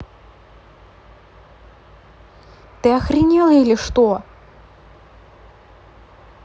ты охренела или что